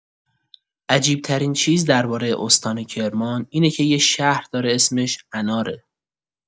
عجیب‌ترین چیز درباره استان کرمان اینه که یه شهر داره اسمش اناره.